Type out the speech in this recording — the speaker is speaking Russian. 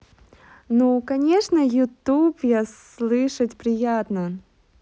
ну конечно youtube я слушать приятно